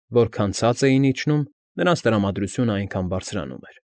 Որքան ցած էին իջնում, նրանց տրամադրությունն այնքան բարձրանում էր։